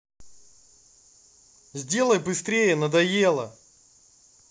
сделай быстрее надоело